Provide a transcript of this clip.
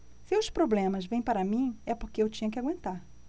se os problemas vêm para mim é porque eu tinha que aguentar